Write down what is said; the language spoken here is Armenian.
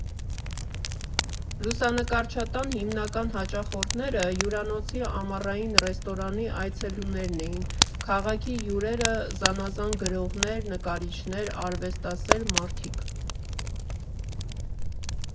Լուսանկարչատան հիմնական հաճախորդները հյուրանոցի ամառային ռեստորանի այցելուներն էին, քաղաքի հյուրերը, զանազան գրողներ, նկարիչներ, արվեստասեր մարդիկ։